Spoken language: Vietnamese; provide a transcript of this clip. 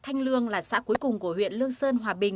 thanh lương là xã cuối cùng của huyện lương sơn hòa bình